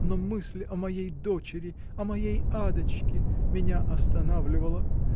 -- но мысль о моей дочери, о моей Адочке, меня останавливала